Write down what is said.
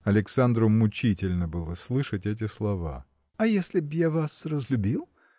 Александру мучительно было слышать эти слова. – А если б я вас разлюбил?